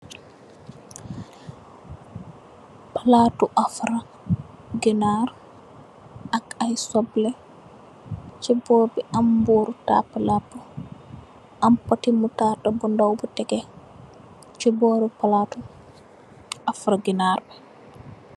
Palatu afra genar ak ay subb le ci boor bi am mburu tappalappa am potti muttarda bu tege chi borru pallatu afra genar bi.